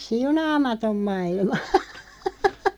siunaamaton maailma